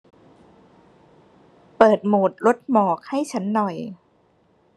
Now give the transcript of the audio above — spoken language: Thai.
เปิดโหมดลดหมอกให้ฉันหน่อย